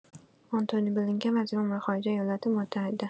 آنتونی بلینکن وزیر امور خارجه ایالات‌متحده